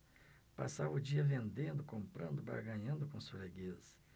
passava o dia vendendo comprando barganhando com os fregueses